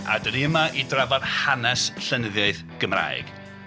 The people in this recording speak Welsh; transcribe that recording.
A dan ni yma i drafod hanes llenyddiaeth Gymraeg.